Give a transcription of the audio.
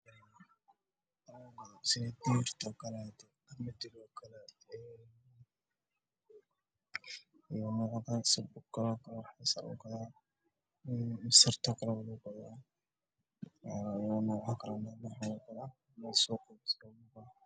Meeshan waxa ay ka muuqday raashin